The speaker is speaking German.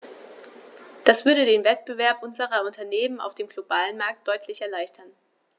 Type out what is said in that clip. Das würde den Wettbewerb unserer Unternehmen auf dem globalen Markt deutlich erleichtern.